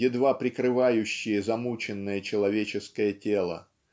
едва прикрывающие замученное человеческое тело